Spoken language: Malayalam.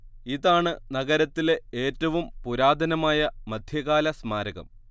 ഇതാണ് നഗരത്തിലെ ഏറ്റവും പുരാതനമായ മധ്യകാല സ്മാരകം